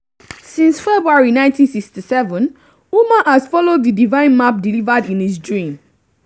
Since February 1967, Ouma has followed the divine map delivered in his dream.